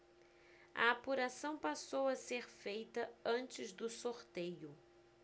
a apuração passou a ser feita antes do sorteio